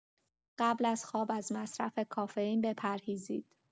قبل از خواب از مصرف کافئین بپرهیزید.